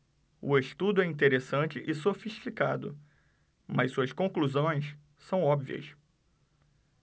o estudo é interessante e sofisticado mas suas conclusões são óbvias